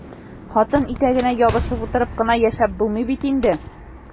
Хатын итәгенә ябышып утырып кына яшәп булмый бит инде!